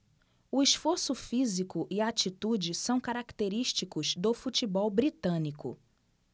o esforço físico e a atitude são característicos do futebol britânico